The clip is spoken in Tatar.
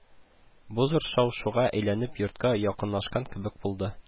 Бу зур шау-шуга әйләнеп йортка якынлашкан кебек булды